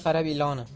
suviga qarab iloni